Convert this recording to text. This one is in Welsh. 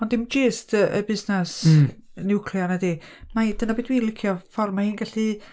Ond 'di o'm jyst y, y busnes... Mm... niwclear nadi? Ma' hi, dyna be' dwi'n licio, y ffor' ma' hi'n gallu